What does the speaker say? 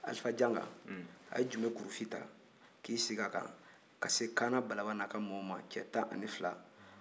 alifa janga a ye jume kurufin ta ki i sigi a kan ka se kaana balaba n'a ka maaw ma cɛ tan ni fila